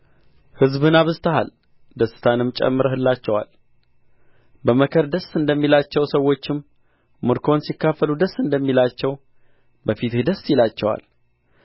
ሕዝብን አብዝተሃል ደስታንም ጨምረህላቸዋል በመከር ደስ እንደሚላቸው ሰዎችም ምርኮን ሲካፈሉ ደስ እንደሚላቸው በፊትህ ደስ ይላቸዋል